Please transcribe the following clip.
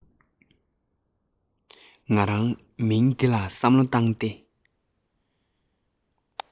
ང རང མིང འདི ལ བསམ བློ བཏང སྟེ